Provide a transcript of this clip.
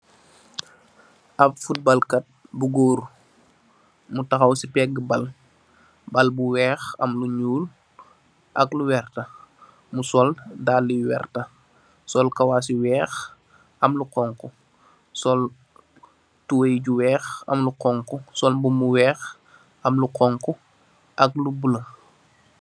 Ap futbal Kat bu gór mu taxaw si pega bal, bal bu wèèx am lu ñuul ak lu werta. Mu sol dalli yu werta sol kawas yu wèèx am lu xonxu. Sol tubay ñu wèèx am lu xonxu, sol mbubu mu wèèx am lu xonxu ak lu bula.